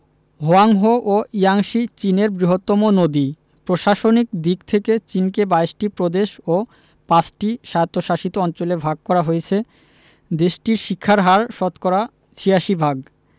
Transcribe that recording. Hwang Ho ও Yangtze চীনের বৃহত্তম নদী প্রশাসনিক দিক থেকে চিনকে ২২ টি প্রদেশ ও ৫ টি স্বায়ত্তশাসিত অঞ্চলে ভাগ করা হয়েছে দেশটির শিক্ষার হার শতকরা ৮৬ ভাগ